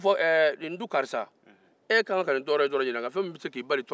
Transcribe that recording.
a b'a fɔ karisa e ka kan ka nin tɔɔrɔ in sɔro ɲinan nka n'i ye nin saraka in bɔ a be bali